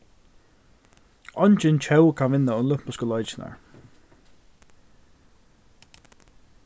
eingin tjóð kann vinna olympisku leikirnar